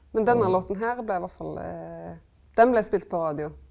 men denne låten her blei iallfall den blei spelt på radio.